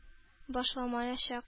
Башламаячак